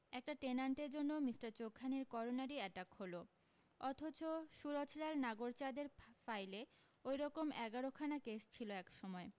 একটা টেনাণ্টের জন্য মিষ্টার চোখানির করোনারি অ্যাটাক হলো অথচ সুরজলাল নাগরচাঁদের ফাইলে ওইরকম এগারোখানা কেস ছিল এক সময়